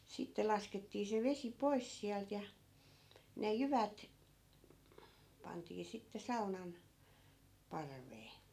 sitten laskettiin se vesi pois sieltä ja ne jyvät pantiin sitten saunan parveen